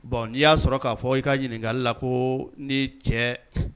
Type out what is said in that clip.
Bon n'i y'a sɔrɔ k'a fɔ i ka ɲininkaka la ko ni cɛ